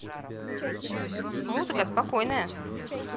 музыка спокойная